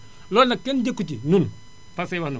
loolu nag kenn déggu ko ci ñun Fatou Seye wax na ko